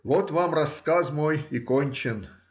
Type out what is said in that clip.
Вот вам рассказ мой и кончен.